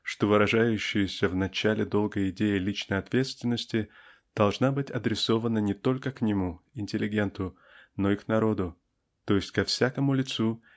что выражающаяся в начале долга идея личной ответственности должна быть адресована не только к нему интеллигенту но и к народу т. е. ко всякому лицу